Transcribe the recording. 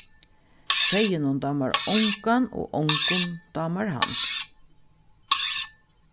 seyðinum dámar ongan og ongum dámar hann